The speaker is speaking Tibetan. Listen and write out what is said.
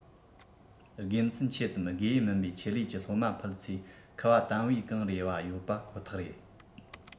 དགེ མཚན ཆེ ཙམ དགེ འོས མིན པའི ཆེད ལས ཀྱི སློབ མ ཕུད ཚོས ཁུ བ དམ བེའུ གང རེ བ ཡོད པ ཕུད པ ཁོ ཐག རེད